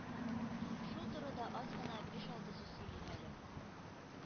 Шул турыдан аз гына — биш-алты сүз сөйлим әле,